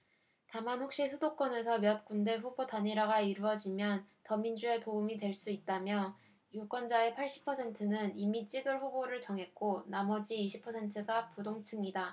다만 혹시 수도권에서 몇 군데 후보 단일화가 이뤄지면 더민주에 도움이 될 수 있다며 유권자의 팔십 퍼센트는 이미 찍을 후보를 정했고 나머지 이십 퍼센트가 부동층이다